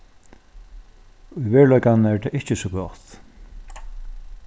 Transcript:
í veruleikanum er tað ikki so gott